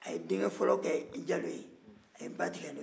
a denkɛ fɔlɔ kɛ jalo ye a ye ba tigɛ n'o ye